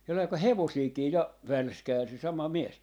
sellainen kun hevosiakin ja välskäili se sama mies